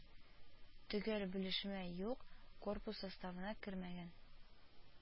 Төгәл белешмә юк, корпус составына кермәгән